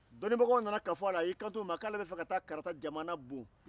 dɔnnibagaw nana kafo a la a y'i kanto u ma k'ale bɛ fɛ ka taa karata jamana bon